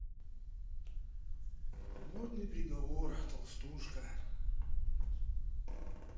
модный приговор толстушка